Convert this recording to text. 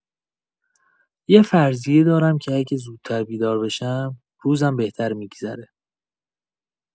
یه فرضیه دارم که اگه زودتر بیدار بشم، روزم بهتر می‌گذره.